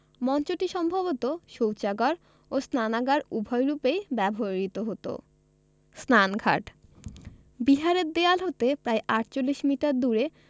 মঞ্চটি সম্ভবত শৌচাগার ও স্নানাগার উভয় রূপেই ব্যবহূত হতো স্নানঘাটঃ বিহারের দেয়াল হতে প্রায় ৪৮ মিটার দূরে